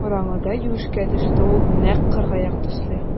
Караңгыда юешкә төште ул нәкъ кыргаяк төсле.